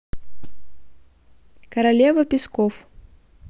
королева песков